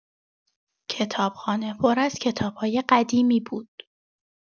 کتابخانه پر از کتاب‌های قدیمی بود.